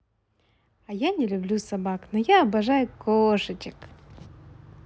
а я не люблю собак но я обожаю кошечек